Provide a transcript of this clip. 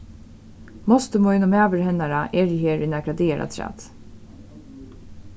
mostir mín og maður hennara eru her í nakrar dagar afturat